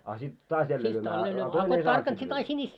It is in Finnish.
a sitten taas jälleen lyömään a a toinen ei saanut sitten lyödä